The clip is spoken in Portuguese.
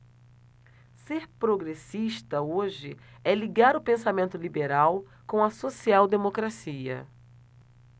ser progressista hoje é ligar o pensamento liberal com a social democracia